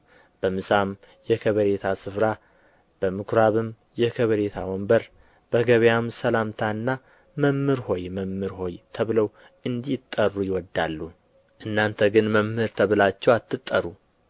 በምሳም የከበሬታ ስፍራ በምኵራብም የከበሬታ ወንበር በገበያም ሰላምታና መምህር ሆይ መምህር ሆይ ተብለው እንዲጠሩ ይወዳሉ እናንተ ግን መምህር ተብላችሁ አትጠሩ